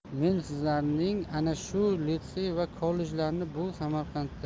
men sizlarning ana shu litsey va kollejlarni bu samarqandda